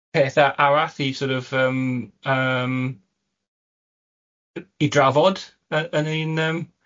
pethau arall i, sor' of, yym, yym, i drafod, yy ydyn ni yym